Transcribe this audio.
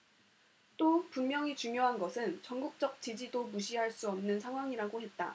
또 분명히 중요한 것은 전국적 지지도 무시할 수 없는 상황이라고 했다